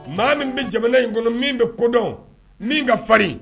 Maa min bɛ jamana in kɔnɔ min bɛ ko dɔn min ka farin